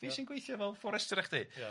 Fi sy'n gweithio fel fforestwr i chdi'.